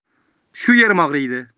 shu yerim og'riydi